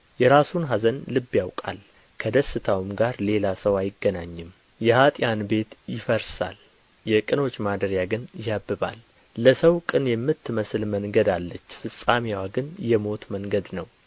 የራሱን ኀዘን ልብ ያውቃል ከደስታውም ጋር ሌላ ሰው አይገናኝም የኅጥኣን ቤት ይፈርሳል የቅኖች ማደሪያ ግን ያብባል ለሰው ቅን የምትመስል መንገድ አለች ፍጻሜዋ ግን የሞት መንገድ ነው